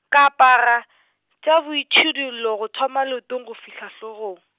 ka apara, tša boitšhidullo go thoma leotong go fihla hlogong.